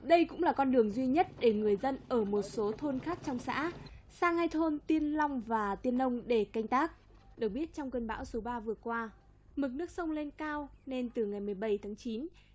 đây cũng là con đường duy nhất để người dân ở một số thôn khác trong xã sang hai thôn tiên long và tiên ông để canh tác được biết trong cơn bão số ba vừa qua mực nước sông lên cao nên từ ngày mười bảy tháng chín